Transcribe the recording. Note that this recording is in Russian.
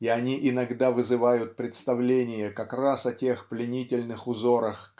и они иногда вызывают представление как раз о тех пленительных узорах